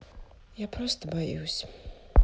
я просто боюсь